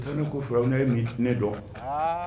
Ɛ ne ko firawuna e ni ne dɔn